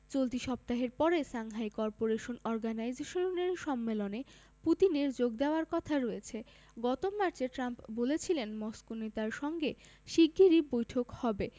চলতি সপ্তাহের পরে সাংহাই করপোরেশন অর্গানাইজেশনের সম্মেলনে পুতিনের যোগ দেওয়ার কথা রয়েছে গত মার্চে ট্রাম্প বলেছিলেন মস্কো নেতার সঙ্গে শিগগিরই বৈঠক হবে